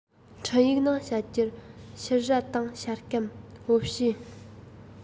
འཕྲིན ཡིག ནང བཤད རྒྱུར ཕྱུར ར དང ཤ སྐམ འོ ཕྱེ